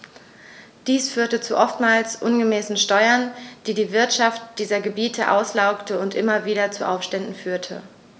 Dies führte zu oftmals unmäßigen Steuern, die die Wirtschaft dieser Gebiete auslaugte und immer wieder zu Aufständen führte.